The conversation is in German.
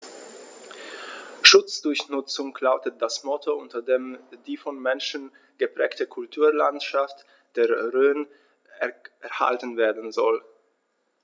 „Schutz durch Nutzung“ lautet das Motto, unter dem die vom Menschen geprägte Kulturlandschaft der Rhön erhalten werden soll.